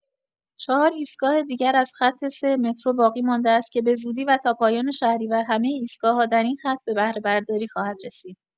۴ ایستگاه دیگر از خط ۳ مترو باقی‌مانده است که به‌زودی و تا پایان شهریور همه ایستگاه‌ها در این خط به بهره‌برداری خواهد رسید.